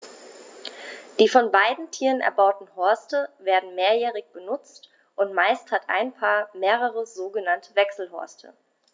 Die von beiden Tieren erbauten Horste werden mehrjährig benutzt, und meist hat ein Paar mehrere sogenannte Wechselhorste.